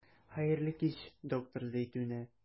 Хәерле кич, доктор Зәйтүнә.